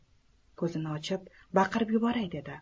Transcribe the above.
ko'zini ochib baqirib yuboray dedi